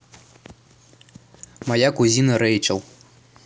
моя кузина рэйчел